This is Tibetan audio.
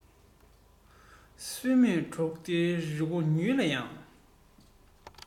སུན མེད འབྲོག སྡེའི རི སྒོ ཉུལ ན ཡང